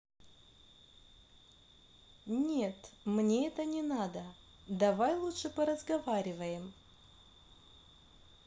нет мне это не надо давай лучше поразговариваем